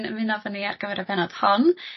...yn ymuno efo ni ar gyfer y bennod hon.